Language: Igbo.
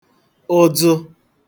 ụdzụ